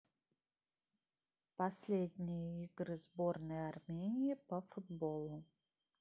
последние игры сборной армении по футболу